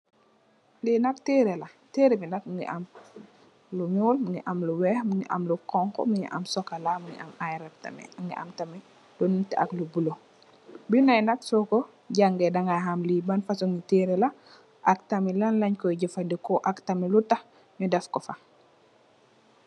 Lii nak tehreh la, tehreh bii nak mungy am lu njull, mungy am lu wekh, mungy am lu khonku, mungy am chocolat, mungy am aiiy rackk tamit, mungy am tamit lu nehteh ak lu bleu, binda yii nak sor kor jangeh danga ham lii ban fasoni tehreh la, ak tamit lan langh koi jeufandehkor, ak tamit lutakh nju def kor fa.